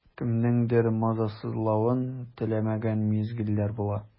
Кемнеңдер мазасызлавын теләмәгән мизгелләр була.